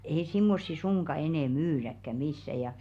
ei semmoisia suinkaan enää myydäkään missään ja ja